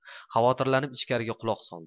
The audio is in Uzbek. havotirlanib ichkariga quloq soldi